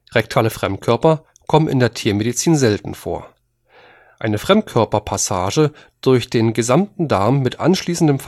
Rektale Fremdkörper kommen in der Tiermedizin selten vor. Eine Fremdkörperpassage durch den gesamten Darm mit anschließendem